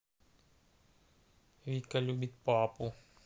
вика любит папу